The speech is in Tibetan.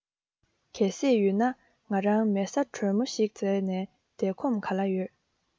གལ སྲིད ཡོད ན ང རང མལ ས དྲོན མོ ཞིག བཙལ ནས བསྡད ཁོམ ག ལ ཡོད